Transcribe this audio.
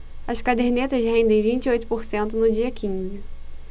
as cadernetas rendem vinte e oito por cento no dia quinze